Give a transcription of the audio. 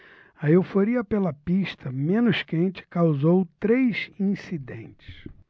a euforia pela pista menos quente causou três incidentes